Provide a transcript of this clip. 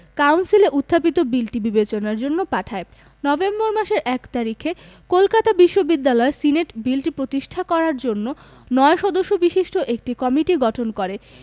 কাউন্সিলে উত্থাপিত বিলটি বিবেচনার জন্য পাঠায় নভেম্বর মাসের ১ তারিখে কলকাতা বিশ্ববিদ্যালয় সিনেট বিলটি পরীক্ষা করার জন্য ৯ সদস্য বিশিষ্ট একটি কমিটি গঠন করে